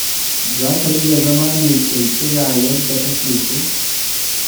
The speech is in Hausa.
Za ka iya zama mai ƙirƙira yadda kake so.